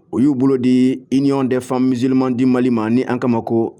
O y'u bolo di i ɲɔgɔn defan mizirilima di mali ma ni an kama ko